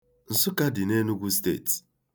Nsụka dị n'Enugwu Steeti.